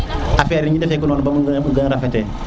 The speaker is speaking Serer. affaire yi ñu defe ko num gëna fafete